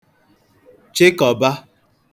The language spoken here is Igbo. chịkọ̀ba